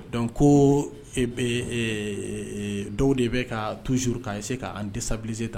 Donc ko ee dɔw de bɛ ka toujours ka essayer k'an déstabiliser tan